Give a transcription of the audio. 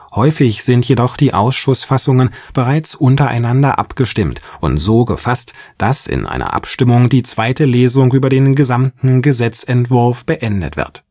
Häufig sind jedoch die Ausschussfassungen bereits untereinander abgestimmt und so gefasst, dass in einer Abstimmung die „ zweite Lesung “über den gesamten Gesetzentwurf beendet wird